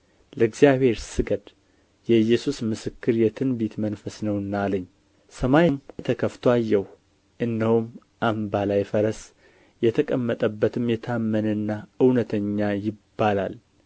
ለእግዚአብሔር ስገድ የኢየሱስ ምስክር የትንቢት መንፈስ ነውና አለኝ ሰማይም ተከፍቶ አየሁ እነሆም አምባላይ ፈረስ የተቀመጠበትም የታመነና እውነተኛ ይባላል